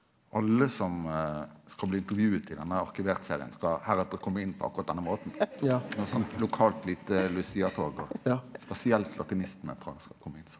alle som skal bli intervjua i denne Arkivert-serien skal heretter komme inn på akkurat denne måten noko sånn lokalt lite Lucia-tog og spesielt latinistane frå skal komme inn sånn.